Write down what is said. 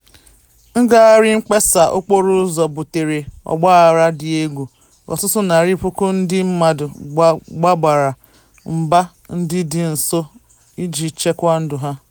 Ngagharị mkpesa okporoụzọ butere ọgbaaghara dị egwu, ọtụtụ narị puku ndị mmadụ gbabara mba ndị dị nso iji chekwa ndụ ha.